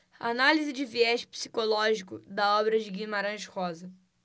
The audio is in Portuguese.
análise de viés psicológico da obra de guimarães rosa